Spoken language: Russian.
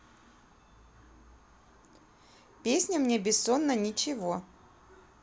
песня мне бессона ничего